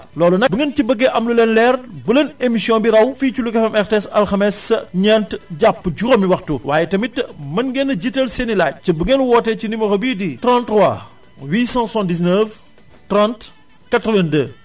loolu nag bu ngeen ci bëggee am lu leen leer bu leen émission bi raw fii ci Louga FM RTS alxames ñent jàpp juróomi waxtu waaye tamit mën ngeen a jiital seen i laaj ci bu ngeen wootee ci numéro bii di 33 879 30 82